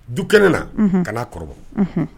Dukɛnɛ na ka'a kɔrɔbɔ